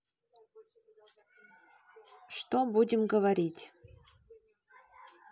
что будем говорить